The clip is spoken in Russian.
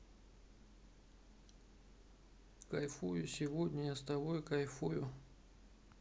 кайфую сегодня я с тобой кайфую